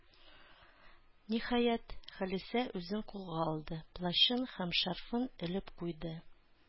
Ниһаять, Халисә үзен кулга алды, плащын һәм шарфын элеп куйды.